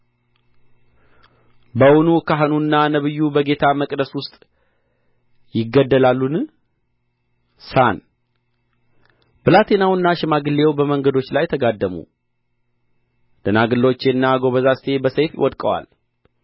በውኑ ካህኑና ነቢዩ በጌታ መቅደስ ውስጥ ይገደላሉን ሳን ብላቴናውና ሽማግሌው በመንገዶች ላይ ተጋደሙ ደናግሎቼና ጐበዛዝቴ በሰይፍ ወድቀዋል